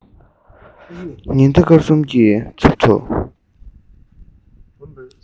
ཉི ཟླ སྐར གསུམ གྱི ཚབ ཏུ